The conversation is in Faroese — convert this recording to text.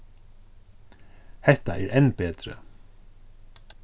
hetta er enn betri